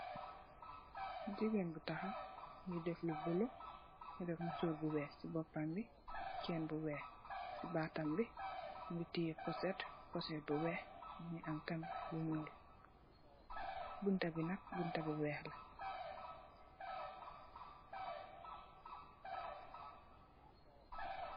Jigéen bu tahaw mungi def lu bulo, mungi def musóor bu weeh ci boppam bi, chenn bu weeh ci bataam bi mungi tè poset. Poset bi weeh, am tamit lu ñuul. Bunta bi nak bunta bu weeh la.